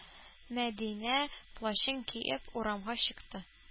Мәдинә плащын киеп урамга чыкты.